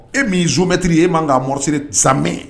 E mini zometiriri ye e man'ɔrɔsiri sanmɛ ye